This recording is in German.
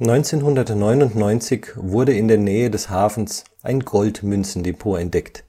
1999 wurden in der Nähe des Hafens ein Goldmünzendepot entdeckt.